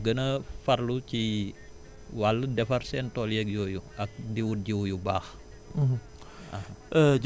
di wax tamit béykat yi ñu gën a farlu ci wàll defar seen tool yeeg yooyu ak di wut jiw yu baax